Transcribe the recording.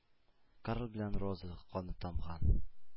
Карл белән Роза каны тамган